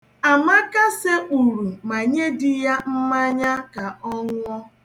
Amaka sekpuru ma nye di ya mmanya ka ọ ṅụọ.